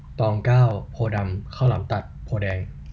ตองเก้าโพธิ์ดำข้าวหลามตัดโพธิ์แดง